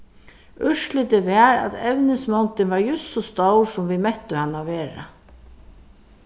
úrslitið var at evnismongdin var júst so stór sum vit mettu hana at vera